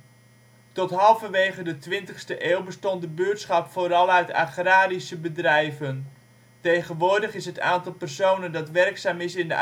Tot halverwege de twintigste eeuw bestond de buurtschap vooral uit agrarische bedrijven. Tegenwoordig is het aantal personen dat werkzaam is in